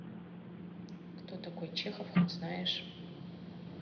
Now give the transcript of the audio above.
кто такой чехов хоть знаешь